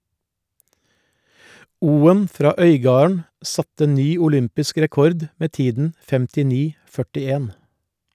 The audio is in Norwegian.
Oen fra Øygarden satte ny olympisk rekord med tiden 59,41.